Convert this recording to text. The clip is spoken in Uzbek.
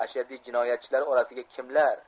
ashaddiy jinoyatchilar orasiga kimlar